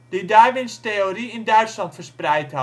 die Darwins theorie in Duitsland verspreid